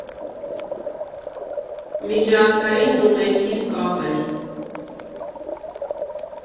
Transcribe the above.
Միջազգային ու ներքին կապեր։